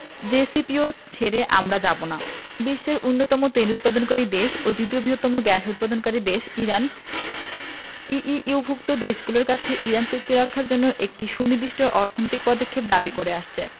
JCPOA ছেড়ে আমরা যাব না বিশ্বের অন্যতম তেল উৎপাদনকারী দেশ ও দ্বিতীয় বৃহত্তম গ্যাস উৎপাদনকারী দেশ ইরান ইইউভুক্ত দেশগুলোর কাছে ইরান চুক্তি রক্ষার জন্য একটি সুনির্দিষ্ট অর্থনৈতিক পদক্ষেপ দাবি করে আসছে